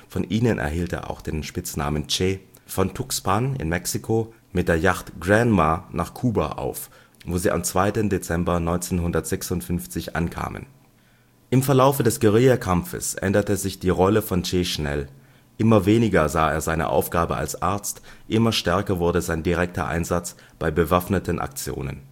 von ihnen erhielt er auch den Spitznamen Che) von Tuxpan (Mexiko) mit der Yacht Granma nach Kuba auf, wo sie am 2. Dezember 1956 ankamen. Im Verlaufe des Guerillakampfes änderte sich die Rolle von Che schnell. Immer weniger sah er seine Aufgabe als Arzt, immer stärker wurde sein direkter Einsatz bei bewaffneten Aktionen